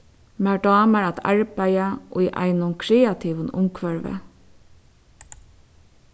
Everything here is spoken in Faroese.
mær dámar at arbeiða í einum kreativum umhvørvi